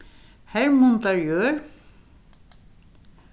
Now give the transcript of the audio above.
hermundarjørð